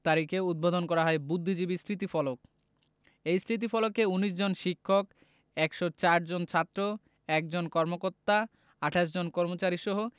তারিখে উদ্বোধন করা হয় বুদ্ধিজীবী স্মৃতিফলক এই স্থিতিফলকে ১৯ জন শিক্ষক ১০৪ জন ছাত্র ১ জন কর্মকর্তা ২৮ জন কর্মচারীসহ